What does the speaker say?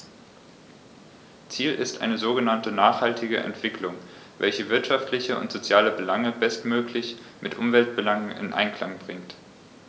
Ziel ist eine sogenannte nachhaltige Entwicklung, welche wirtschaftliche und soziale Belange bestmöglich mit Umweltbelangen in Einklang bringt.